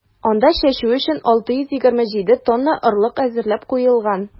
Анда чәчү өчен 627 тонна орлык әзерләп куелган.